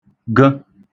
gụ